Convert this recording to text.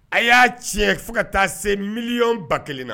A y'a tiɲɛ fo ka taa se miliy ba kelen na